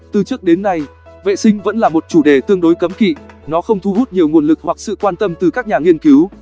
từ trước đến nay vệ sinh vẫn là một chủ đề tương đối cấm kỵ nó không thu hút nhiều nguồn lực hoặc sự quan tâm từ các nhà nghiên cứu